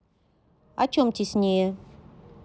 о чем теснее